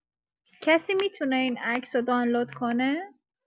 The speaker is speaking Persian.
کسی می‌تونه این عکس رو دانلود کنه؟